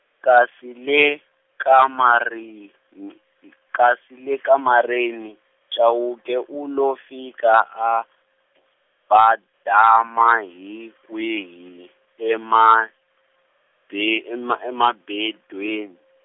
kasi le kamarin- n-, kasi le kamareni, Chauke u lo fika a, badama hi kwihi, ema be-, ema ema bedwen-.